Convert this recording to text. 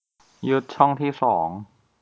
ยึดช่องที่สอง